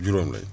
juróom lañ